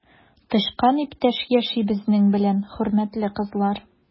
Тычкан иптәш яши безнең белән, хөрмәтле кызлар!